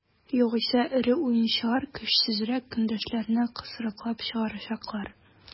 Югыйсә эре уенчылар көчсезрәк көндәшләрне кысрыклап чыгарачаклар.